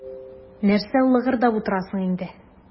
Нәрсә лыгырдап утырасың инде.